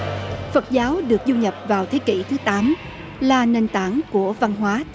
phật giáo được du nhập vào thế kỷ thứ tám là nền tảng của văn hóa